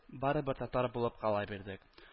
Барыбер татар булып кала бирдек